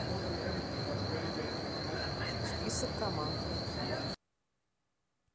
список команд